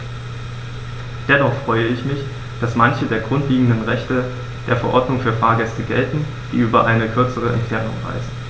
Dennoch freue ich mich, dass manche der grundlegenden Rechte der Verordnung für Fahrgäste gelten, die über eine kürzere Entfernung reisen.